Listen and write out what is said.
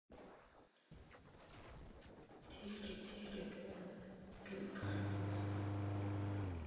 тили тили бом пинкамина